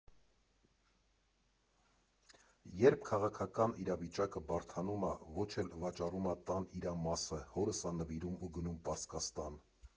Երբ քաղաքական իրավիճակը բարդանում ա, ոչ էլ վաճառում ա տան իրա մասը, հորս ա նվիրում ու գնում Պարսկաստան։